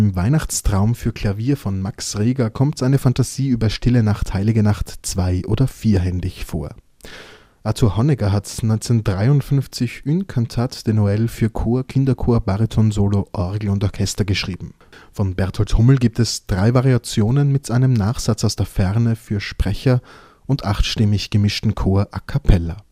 Weihnachtstraum für Klavier von Max Reger kommt eine Fantasie über „ Stille Nacht, heilige Nacht “, zwei - oder vierhändig, vor Arthur Honegger hat 1953 „ Une Cantate de Noël “für Chor, Kinderchor, Bariton-Solo, Orgel und Orchester geschrieben. Von Bertold Hummel gibt es 3 Variationen mit einem Nachsatz aus der Ferne für Sprecher und 8stimmig gemischten Chor a capella